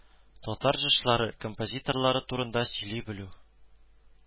Татар җырчылары, композиторлары турында сөйли белү